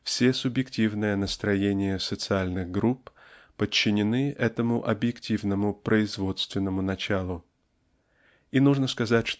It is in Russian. все субъективные настроения социальных групп подчинены этому объективному производственному началу. И нужно сказать